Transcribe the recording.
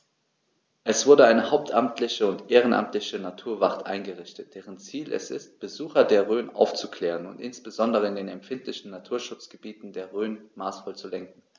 Es wurde eine hauptamtliche und ehrenamtliche Naturwacht eingerichtet, deren Ziel es ist, Besucher der Rhön aufzuklären und insbesondere in den empfindlichen Naturschutzgebieten der Rhön maßvoll zu lenken.